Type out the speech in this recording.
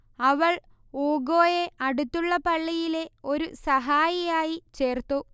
അവൾ ഊഗോയെ അടുത്തുള്ള പള്ളിയിലെ ഒരു സഹായിയായി ചേർത്തു